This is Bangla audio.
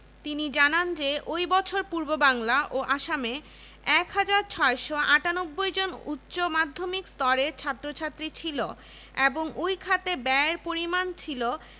ফেব্রুয়ারিতে প্রকাশিত এক সরকারি ঘোষণায় এ বিষয়টি স্বীকৃত হয় লর্ড হার্ডিঞ্জ স্বীকার করেন যে ১৯০৬ সাল থেকে পূর্ববাংলা ও আসাম উন্নতির পথে অনেকটা এগিয়ে গেছে